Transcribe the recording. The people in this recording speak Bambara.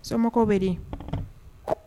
Somɔgɔw bɛ di